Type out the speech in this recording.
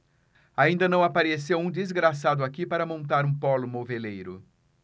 ainda não apareceu um desgraçado aqui para montar um pólo moveleiro